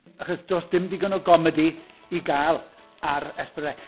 Achos does dim digon o gomedi i gael ar S4C.